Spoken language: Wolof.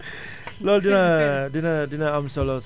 loolu dina dina dina dina am solo